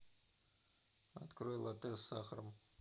открой латте с сахаром